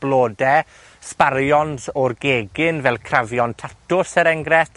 blode, sbarions o'r gegin, fel crafion tatws, er enghrefft.